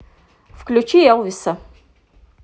включи элвиса